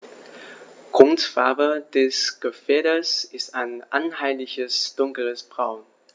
Grundfarbe des Gefieders ist ein einheitliches dunkles Braun.